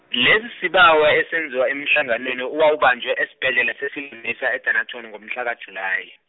lesisibawo esenziwa emhlanganweni owawubanjwe esibhedlela sephi- e- Dennilton ngomhlaka-Julayi.